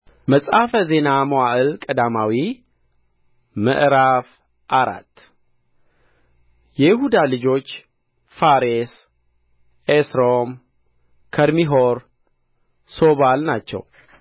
መጽሐፈ ዜና መዋዕል ቀዳማዊ ምዕራፍ አራት የይሁዳ ልጆች ፋሬስ ኤስሮም ከርሚ ሆር ሦባል ናቸው